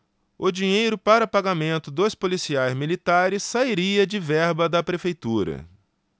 o dinheiro para pagamento dos policiais militares sairia de verba da prefeitura